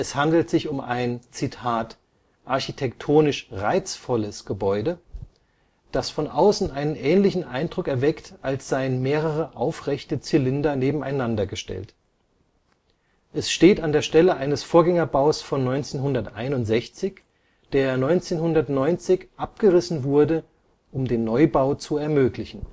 handelt sich um ein „ architektonisch reizvolles “Gebäude, das von außen einen ähnlichen Eindruck erweckt, als seien mehrere aufrechte Zylinder nebeneinander gestellt. Es steht an der Stelle eines Vorgängerbaus von 1961, der 1990 abgerissen wurde, um den Neubau zu ermöglichen